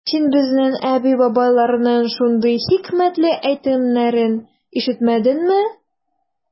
Син безнең әби-бабайларның шундый хикмәтле әйтемнәрен ишетмәдеңме?